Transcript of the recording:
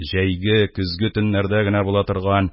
Өзге төннәрдә генә була торган